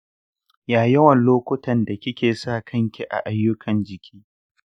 ya yawan lokutan da kike sa kanki a ayyukan jiki?